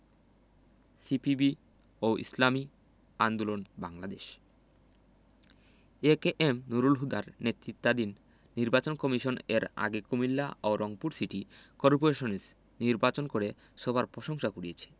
CPB ও Islami Andolan Bangladesh A K M Nurul হুদার নেতৃত্বাধীন নির্বাচন কমিশন এর আগে কুমিল্লা ও রংপুর সিটি করপোরেশন নির্বাচন করে সবার প্রশংসা কুড়িয়েছে